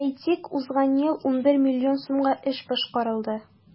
Әйтик, узган ел 11 миллион сумга эш башкарылды.